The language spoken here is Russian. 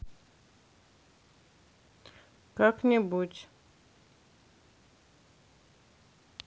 как нибудь